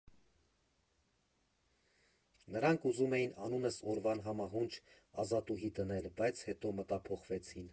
Նրանք ուզում էին անունս օրվան համահունչ՝ Ազատուհի դնել, բայց հետո մտափոխվեցին։